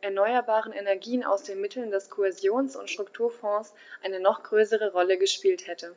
erneuerbaren Energien aus den Mitteln des Kohäsions- und Strukturfonds eine noch größere Rolle gespielt hätte.